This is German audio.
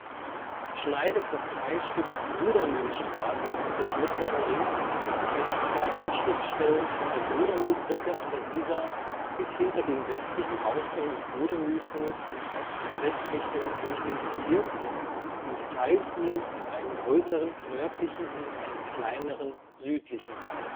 schneidet das Teilstück Brudermühlstraße des Mittleren Rings mit zwei Anschlussstellen von der Brudermühlbrücke an der Isar bis hinter den westlichen Ausgang des Brudermühltunnels in Ost-West-Richtung durch den Bezirk und teilt ihn in einen größeren nördlichen und einen kleineren südlichen Teil